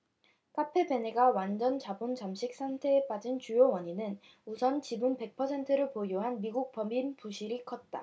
카페베네가 완전자본잠식 상태에 빠진 주요 원인은 우선 지분 백 퍼센트를 보유한 미국법인 부실이 컸다